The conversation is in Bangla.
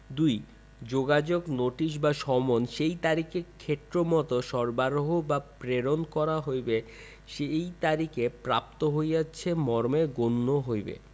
২ যোগাযোগ নোটিশ বা সমন যেই তারিখে ক্ষেত্রমত সরবরাহ বা প্রেরণ করা হইবে সেই তারিখে প্রাপ্ত হইয়াছে মর্মে গণ্য হইবে